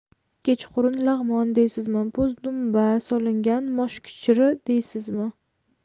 kechqurun lag'mon deysizmi po'stdumba solingan moshkichiri deysizmi